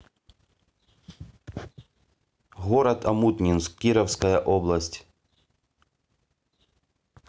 город омутнинск кировская область